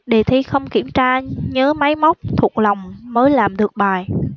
đề thi không kiểm tra nhớ máy móc thuộc lòng mới làm được bài